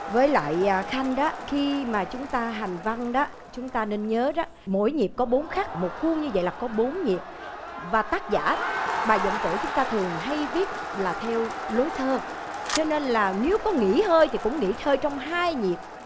với lại khanh đó khi mà chúng ta hành văn đó chúng ta nên nhớ đó mỗi nhịp có bốn khắc một khuôn như vậy là có bốn nhịp và tác giả bài vọng cổ chúng ta thường hay viết là theo lối thơ cho nên là nếu có nghỉ hơi thì cũng nghỉ hơi trong hai nhịp